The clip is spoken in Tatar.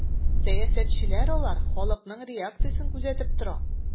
Сәясәтчеләр алар халыкның реакциясен күзәтеп тора.